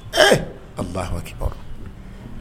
Ee alahu akibaru